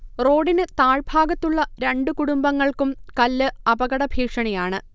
റോഡിന് താഴ്ഭാഗത്തുള്ള രണ്ട് കുടുംബങ്ങൾക്കും കല്ല് അപകടഭീഷണിയാണ്